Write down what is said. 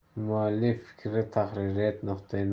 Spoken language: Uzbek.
muallif fikri tahririyat nuqtai